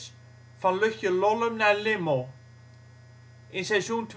van Lutjelollum naar Limmel. In seizoen